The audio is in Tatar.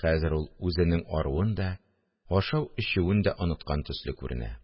Хәзер ул үзенең аруын да, ашау-эчүен дә оныткан төсле күренә